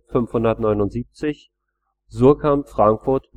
579. Suhrkamp, Frankfurt